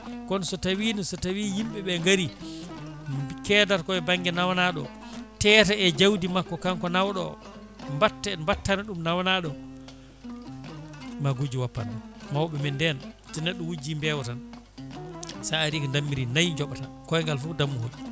kono so tawino so tawi yimɓeɓe gaari keedata koye banggue nawanaɗo o teeta e jawdi makko ko kanko nawɗo o mbatta mbattana ɗum nawanaɗo o ma gujjo woppa tan mawɓe men nden so neɗɗo wujji mbewa tan sa aari ko dammiri naayi jooɓata koygal foof ko dammuwol